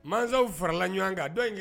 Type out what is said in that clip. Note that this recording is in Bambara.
Mansaw farala ɲɔgɔn kan, dɔ in